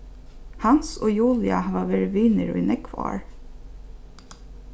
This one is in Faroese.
hans og julia hava verið vinir í nógv ár